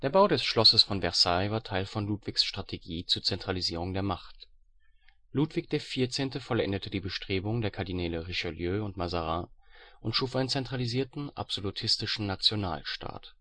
Bau des Schlosses von Versailles war Teil von Ludwigs Strategie zur Zentralisierung der Macht. Ludwig XIV. vollendete die Bestrebungen der Kardinäle Richelieu und Mazarin und schuf einen zentralisierten, absolutistischen Nationalstaat